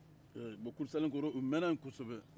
eee bɔn kurusalenkɔrɔ o mɛnna yen kɔsɔbɛ